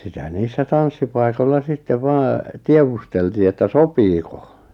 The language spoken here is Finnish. sitä niissä tanssipaikoilla sitten vain tiedusteltiin että sopiiko